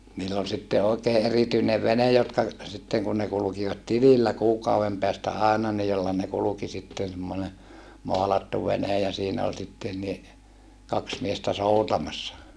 niillä oli sitten oikein erityinen vene jotka sitten kun ne kulkivat tilillä kuukauden päästä aina niin jolla ne kulki sitten semmoinen maalattu vene ja siinä oli sitten niin kaksi miestä soutamassa